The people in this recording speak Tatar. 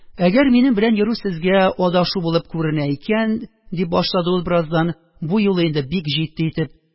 – әгәр минем белән йөрү сезгә адашу булып күренә икән, – дип башлады ул бераздан, бу юлы инде бик җитди итеп